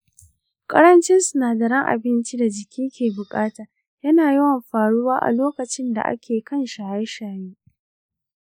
karancin sinadaran abincin da jiki ke buƙata yana yawan faruwa a lokacin da ake kan shaye-shaye.